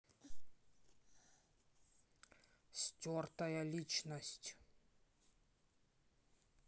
стертая личность